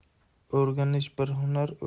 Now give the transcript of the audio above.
o'rganish bir hunar